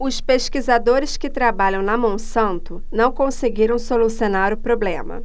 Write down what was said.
os pesquisadores que trabalham na monsanto não conseguiram solucionar o problema